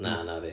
na, na fi.